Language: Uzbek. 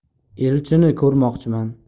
elchini ko'rmoqchiman